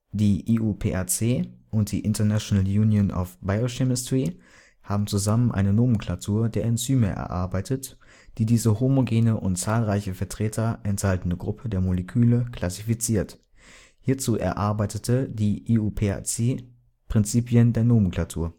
Die IUPAC und die International Union of Biochemistry haben zusammen eine Nomenklatur der Enzyme erarbeitet, die diese homogene und zahlreiche Vertreter enthaltende Gruppe der Moleküle klassifiziert. Hierzu erarbeitete die IUPAC Prinzipien der Nomenklatur